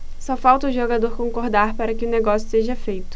só falta o jogador concordar para que o negócio seja feito